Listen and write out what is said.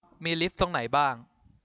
มีลิฟท์ตรงไหนบ้าง